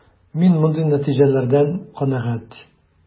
Мин мондый нәтиҗәләрдән канәгать.